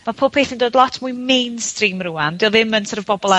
ma' pob peth yn dod lot mwy mainstreamrŵan. 'Di o ddim yn sor' of bobol ar